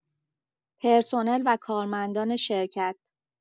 پرسنل و کارمندان شرکت